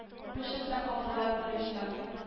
Үбешеп тә алдылар берочтан